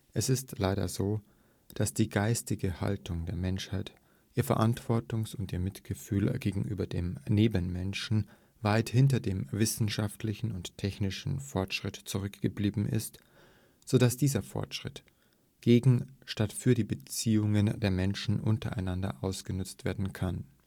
Es ist leider so, dass die geistige Haltung der Menschheit, ihr Verantwortungs - und ihr Mitgefühl gegenüber dem Nebenmenschen weit hinter dem wissenschaftlichen und technischen Fortschritt zurückgeblieben ist, sodass dieser Fortschritt gegen statt für die Beziehungen der Menschen untereinander ausgenutzt werden kann